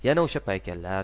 yana o'sha paykallar